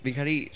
Fi'n credu...